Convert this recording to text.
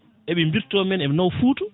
eɓe mbirto men eɓe nawa Fouta